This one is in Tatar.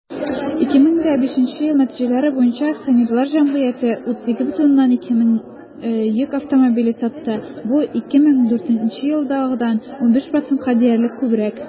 2005 ел нәтиҗәләре буенча акционерлар җәмгыяте 32,2 мең йөк автомобиле сатты, бу 2004 елдагыдан 15 %-ка диярлек күбрәк.